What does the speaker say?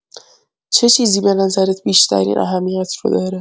چه چیزی به نظرت بیشترین اهمیت رو داره؟